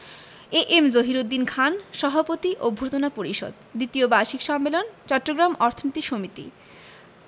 এ M Zahiruddin Khan সভাপতি অভ্যর্থনা পরিষদ দ্বিতীয় বার্ষিক সম্মেলন চট্টগ্রাম অর্থনীতি সমিতি